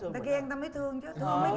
người ta ghen ta mới thương chứ thương